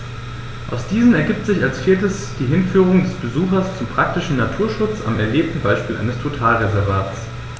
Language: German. Aus diesen ergibt sich als viertes die Hinführung des Besuchers zum praktischen Naturschutz am erlebten Beispiel eines Totalreservats.